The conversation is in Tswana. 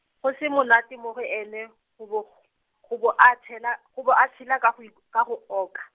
go se monate mo go ene, go bo, go bo a tshela, go bo a tshela ka go ik-, ka go oka.